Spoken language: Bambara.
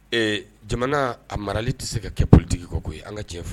Jamana a marali tɛ se ka kɛolitigi koyi ye an ka tiɲɛ fɔ